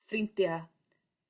ffrindia